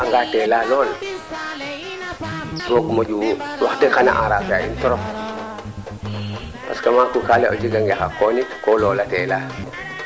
mais o leya nga ye a waga nga gar daal te faaf o fooge nu mbiya noogu qoox nuun ax manaam o duufa nga bo ndiinga sutoox o xena na xoxof ax moƴooge yooɓ